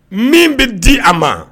Min bɛ di a ma